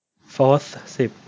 โฟธสิบ